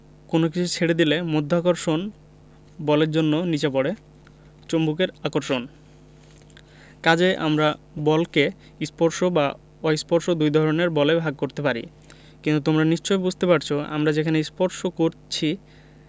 কোনো কিছু ছেড়ে দিলে মধ্যাকর্ষণ বলের জন্য নিচে পড়া চুম্বকের আকর্ষণ কাজেই আমরা বলকে স্পর্শ এবং অস্পর্শ দুই ধরনের বলে ভাগ করতে পারি কিন্তু তোমরা নিশ্চয়ই বুঝতে পারছ আমরা যেখানে স্পর্শ করছি